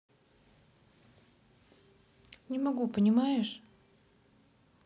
не могу понимаешь